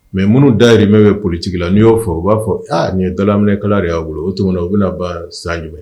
Mɛ minnu da yen bɛ politigi la n'i y' fɔ u b'a fɔ aa nin ye dalaminɛkala de y'a bolo o tuma u bɛna na ba san jumɛn